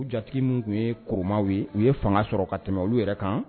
U jatigi mun tun ye Koromaw ye, u ye fanga sɔrɔ ka tɛmɛ olu yɛrɛ kan